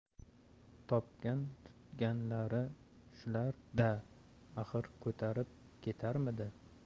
topgan tutganlari shular da axir ko'tarib ketarmidi